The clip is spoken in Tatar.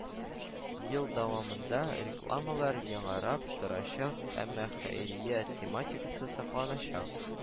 Ел дәвамында рекламалар яңарып торачак, әмма хәйрия тематикасы сакланачак